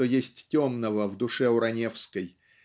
что есть темного в душе у Раневской